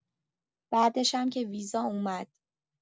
بعدشم که ویزا اومد.